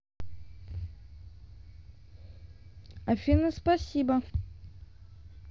афина спасибо